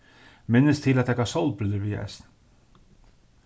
minnist til at taka sólbrillur við eisini